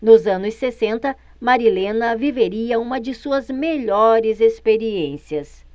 nos anos sessenta marilena viveria uma de suas melhores experiências